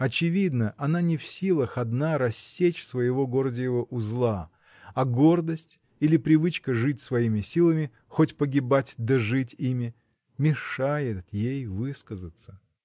Очевидно — она не в силах одна рассечь своего гордиева узла, а гордость или привычка жить своими силами — хоть погибать, да жить ими — мешает ей высказаться!